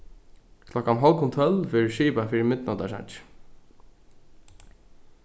klokkan hálvgum tólv verður skipað fyri midnáttarsangi